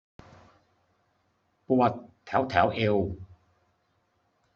ปวดแถวแถวเอว